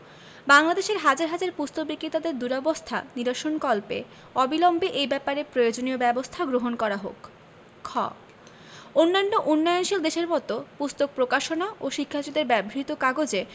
বাংলাদেশের হাজার হাজার পুস্তক বিক্রেতাদের দুরবস্থা নিরসনকল্পে অবিলম্বে এই ব্যাপারে প্রয়োজনীয় ব্যাবস্থা গ্রহণ করা হোক খ অন্যান্য উন্নয়নশীল দেশের মত পুস্তক প্রকাশনা ও শিক্ষার্থীদের ব্যবহৃত কাগজে